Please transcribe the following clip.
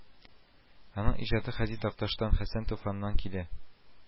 Аның иҗаты Һади Такташтан, Хәсән Туфаннан килә